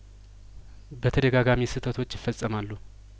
በተደጋጋሚ ስተቶች ይፈጽ ማሉ